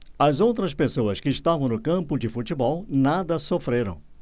as outras pessoas que estavam no campo de futebol nada sofreram